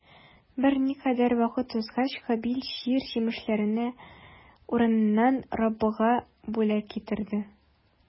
Берникадәр вакыт узгач, Кабил җир җимешләре уңышыннан Раббыга бүләк китерде.